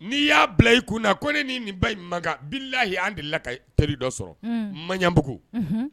N'i y'a bila i kun na ko ne ni nin ba makan bilayi an de la ka teriri dɔ sɔrɔ manɲabugu